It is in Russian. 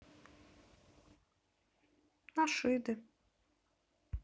нашиды